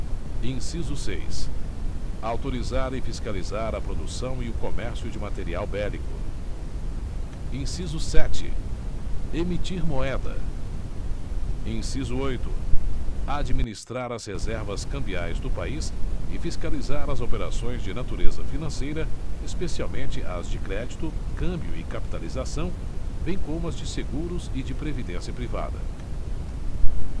inciso seis autorizar e fiscalizar a produção e o comércio de material bélico inciso sete emitir moeda inciso oito administrar as reservas cambiais do país e fiscalizar as operações de natureza financeira especialmente as de crédito câmbio e capitalização bem como as de seguros e de previdência privada